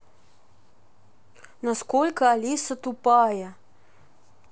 насколько алиса тупая